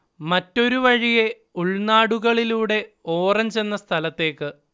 മറ്റൊരു വഴിയെ, ഉൾനാടുകളിലൂടെ, ഓറഞ്ച് എന്ന സ്ഥലത്തേക്ക്